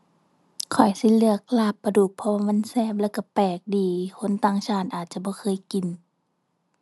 ข้อยสิเลือกลาบปลาดุก เพราะว่ามันแซ่บแล้วก็แปลกดี คนต่างชาติอาจจะบ่เคยกิน